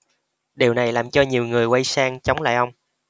điều này làm cho nhiều người quay sang chống lại ông